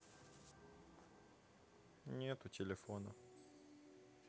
нету телефона